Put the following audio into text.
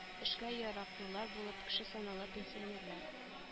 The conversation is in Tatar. Эшкә яраклылар булып кеше санала пенсионерлар